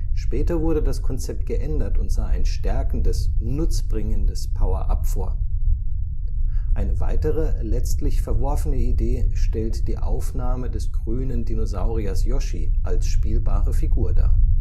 Später wurde das Konzept geändert und sah ein stärkendes, nutzbringendes Power-up vor. Eine weitere letztlich verworfene Idee stellt die Aufnahme des grünen Dinosauriers Yoshi als spielbare Figur dar